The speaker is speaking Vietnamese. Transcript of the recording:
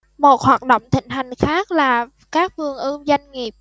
một hoạt động thịnh hành khác là các vườn ươm doanh nghiệp